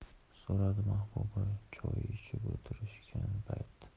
so'radi mahbuba choy ichib o'tirishgan paytda